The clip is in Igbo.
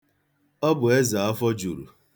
Ọ bụ eze afọ juru.